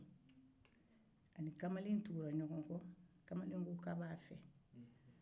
a ni kamalen tugura ɲɔgɔn kɔ kamalen ko k'a b'a fɛ